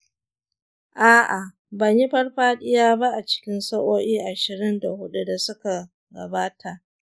a'a, ban yi farfadiya ba a cikin sa'o'i ashirin da huɗu da suka gabata.